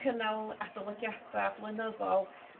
cynnal adolygiada blynyddol